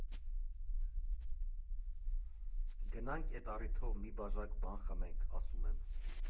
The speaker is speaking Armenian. Գնանք, էդ առիթով մի բաժակ բան խմենք՝ ասում եմ։